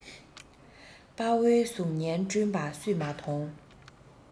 དཔའ བོའི གཟུགས བརྙན བསྐྲུན པ སུས མ མཐོང